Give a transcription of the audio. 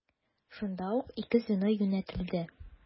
Шунда ук ике звено юнәтелде.